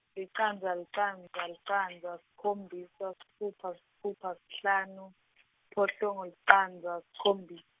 licandza, licandza, licandza, sikhombisa, sitfupha, sitfupha, sihlanu, siphohlongo, licandza, sikhombis-.